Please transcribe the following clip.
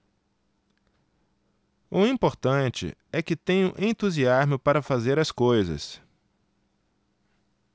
o importante é que tenho entusiasmo para fazer as coisas